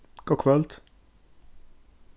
gott kvøld